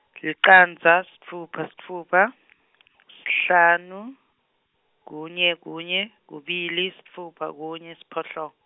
licandza, sitfupha sitfupha, sihlanu, kunye kunye, kubili sitfupha, kunye siphohlongo.